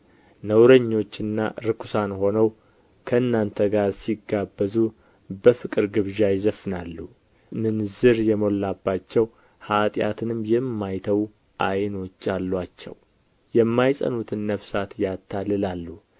ነውረኞችና ርኵሳን ሆነው ከእናንተ ጋር ሲጋበዙ በፍቅር ግብዣ ይዘፍናሉ ምንዝር የሞላባቸው ኃጢአትንም የማይተዉ ዓይኖች አሉአቸው የማይጸኑትን ነፍሳት ያታልላሉ